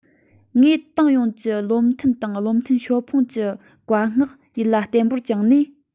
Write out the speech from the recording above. ངས ཏང ཡོངས ཀྱི བློ མཐུན དང བློ མཐུན ཞའོ ཕིན གྱི བཀའ མངག ཡིད ལ བརྟན པོར བཅངས ནས